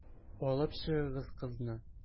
Алып чыгыгыз кызны.